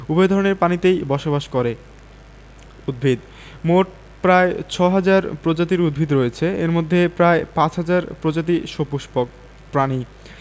উভয় ধরনের পানিতেই বসবাস করে উদ্ভিদঃ মোট প্রায় ৬ হাজার প্রজাতির উদ্ভিদ রয়েছে এর মধ্যে প্রায় ৫ হাজার প্রজাতি সপুষ্পক প্রাণীঃ